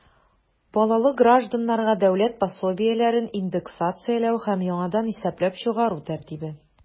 Балалы гражданнарга дәүләт пособиеләрен индексацияләү һәм яңадан исәпләп чыгару тәртибе.